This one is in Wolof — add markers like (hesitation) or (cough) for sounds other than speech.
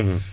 (hesitation) (hesitation)